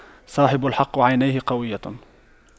صاحب الحق عينه قوية